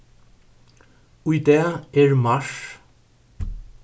í dag er mars